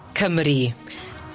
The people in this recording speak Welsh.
Cymru.